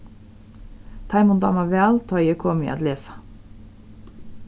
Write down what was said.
teimum dáma væl tá eg komi at lesa